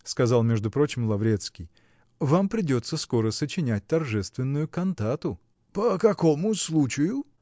-- сказал, между прочим, Лаврецкий, -- вам придется скоро сочинять торжественную кантату. -- По какому случаю?